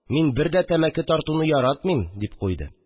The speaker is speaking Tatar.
Мин бер дә тәмәке тартуны яратмыйм», – дип куйды